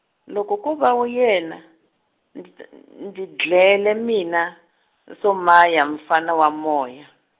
loko ko va yena, nd- ndzi dlele mina, Somaya mfana wa moya.